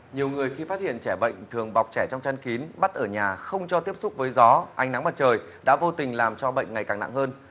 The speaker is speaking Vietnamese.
nhiều người khi phát hiện trẻ bệnh thường bọc trẻ trong chăn kín bắt ở nhà không cho tiếp xúc với gió ánh nắng mặt trời đã vô tình làm cho bệnh ngày càng nặng hơn